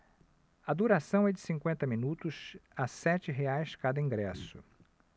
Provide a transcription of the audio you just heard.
a duração é de cinquenta minutos a sete reais cada ingresso